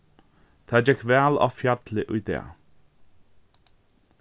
tað gekk væl á fjalli í dag